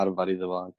arfar iddo fo